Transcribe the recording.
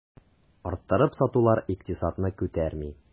Арттырып сатулар икътисадны күтәрми.